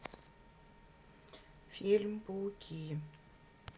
фильм пауки